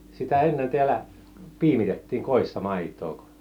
sitä ennen täällä piimitettiin kodissa maitoa